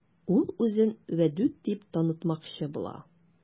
Ул үзен Вәдүт дип танытмакчы була.